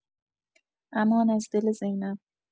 امان از دل زینب